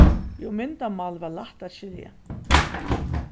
jú myndamálið var lætt at skilja